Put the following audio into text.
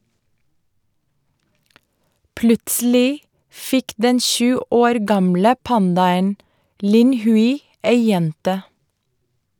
Plutselig fikk den sju år gamle pandaen Lin Hui ei jente.